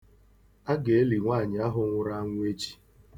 A ga-eli nwaanyị ahụ nwụrụ anwụ echi.